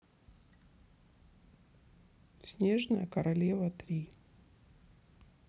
снежная королева три